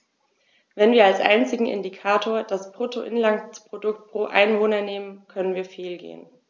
Wenn wir als einzigen Indikator das Bruttoinlandsprodukt pro Einwohner nehmen, können wir fehlgehen.